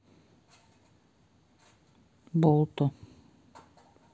болто